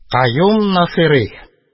Каюм Насыйри